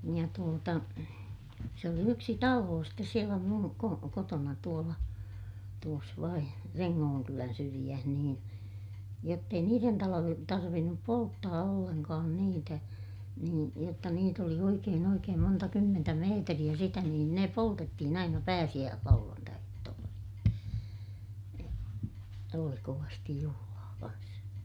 ja tuota se oli yksi talo sitten siellä minun - kotona tuolla tuossa vain Rengonkylän syrjässä niin jotta ei niiden talojen tarvinnut polttaa ollenkaan niitä niin jotta niitä oli oikein oikein monta kymmentä metriä sitä niin ne poltettiin aina pääsiäislauantaiehtoolla sitten ja oli kovasti juhlaa kanssa